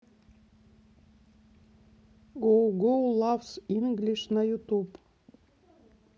гоу гоу лавс инглиш на ютуб